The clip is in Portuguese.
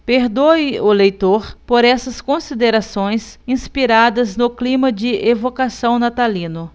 perdoe o leitor por essas considerações inspiradas no clima de evocação natalino